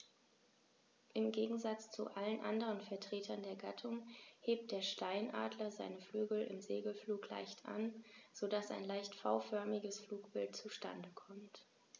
Im Gegensatz zu allen anderen Vertretern der Gattung hebt der Steinadler seine Flügel im Segelflug leicht an, so dass ein leicht V-förmiges Flugbild zustande kommt.